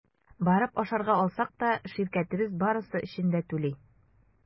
Барып ашарга алсак та – ширкәтебез барысы өчен дә түли.